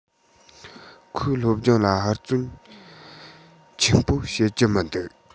ཁོས སློབ སྦྱོང ལ ཧུར བརྩོན ཆེན པོ བྱེད ཀྱི མི འདུག